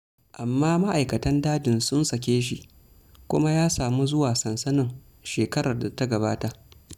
Amma ma'aikatan dajin sun sake shi kuma ya samu zuwa sansanin shekarar da ta gabata.